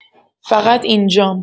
فقط اینجام.